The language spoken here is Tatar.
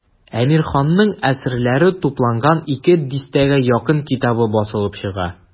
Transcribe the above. Әмирханның әсәрләре тупланган ике дистәгә якын китабы басылып чыга.